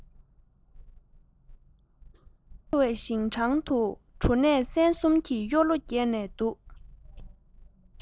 རྒྱ ཆེ བའི ཞིང ཐང དུ གྲོ ནས སྲན གསུམ གྱི གཡུ ལོ རྒྱས ནས འདུག